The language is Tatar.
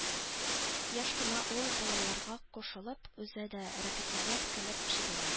Еш кына ул, балаларга кушылып, үзе дә рәхәтләнеп көлеп җибәрә.